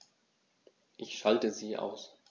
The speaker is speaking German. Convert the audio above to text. Ich schalte sie aus.